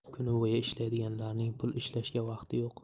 kun bo'yi ishlaydiganlarning pul ishlashga vaqti yo'q